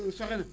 sore na